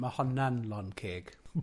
Ma' honna'n lond ceg.